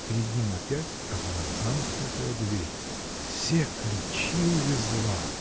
Перед ним опять одна замкнутая дверь! — Все ключи увезла!